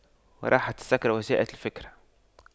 راحت السكرة وجاءت الفكرة